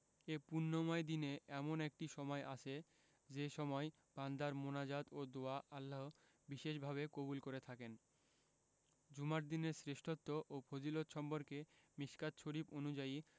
এ পুণ্যময় দিনে এমন একটি সময় আছে যে সময় বান্দার মোনাজাত ও দোয়া আল্লাহ বিশেষভাবে কবুল করে থাকেন জুমার দিনের শ্রেষ্ঠত্ব ও ফজিলত সম্পর্কে মিশকাত শরিফ অনুযায়ী